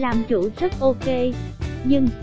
làm chủ rất ok nhưng